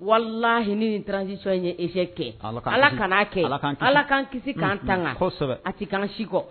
walahini ni tranzsi ye ezse kɛ ala ka' kɛ ala kan kisi kan tan kan a sikɔ